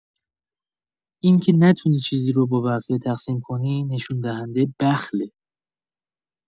این‌که نتونی چیزی رو با بقیه تقسیم کنی، نشون دهنده بخله.